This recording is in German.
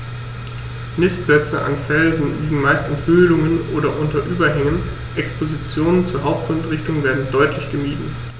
Nistplätze an Felsen liegen meist in Höhlungen oder unter Überhängen, Expositionen zur Hauptwindrichtung werden deutlich gemieden.